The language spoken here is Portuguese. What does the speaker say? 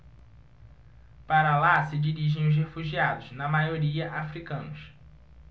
para lá se dirigem os refugiados na maioria hútus